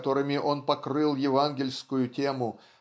которыми он покрыл евангельскую тему